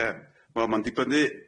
Ie wel ma'n dibynnu